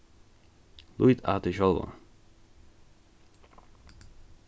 lít á teg sjálvan